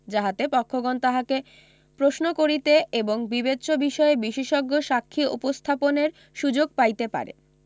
যাহাতে পক্ষগণ তাহাকে প্রশ্ন করিতে এবং বিবেচ্য বিষয়ে বিশেষজ্ঞ সাক্ষী উপস্থাপনের সুযোগ পাইতে পারে